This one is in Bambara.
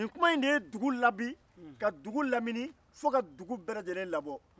nin kuma in de ye dugu labi ka dugu lamini fɔ ka dugu bɛɛ lajɛlen labɔ